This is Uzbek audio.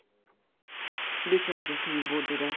bechoraga qiyin bo'ldi da